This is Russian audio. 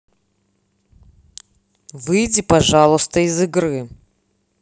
выйди пожалуйста из игры